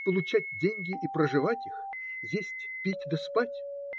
Получать деньги и проживать их: есть, пить да спать?